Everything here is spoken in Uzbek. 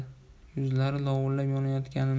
yuzlari lovillab yonayotganini